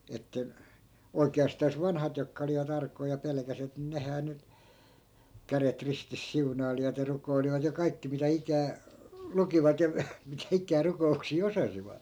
että oikeastaan vanhat jotka olivat arkoja ja pelkäsivät niin nehän nyt kädet ristissä siunailivat ja rukoilivat ja kaikki mitä ikänä lukivat ja mitä ikänä rukouksia osasivat